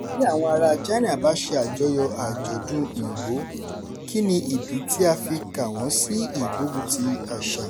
Bí àwọn aráa China bá ṣe àjọyọ̀ àjọ̀dún Òyìnbó, kí ni ìdí tí a fi kà wọ́n sí ìgbógunti àṣà?